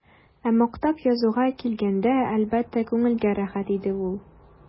Ә мактап язуга килгәндә, әлбәттә, күңелгә рәхәт инде ул.